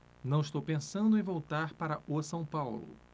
não estou pensando em voltar para o são paulo